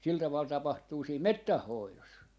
sillä tavalla tapahtuu siinä metsän hoidossa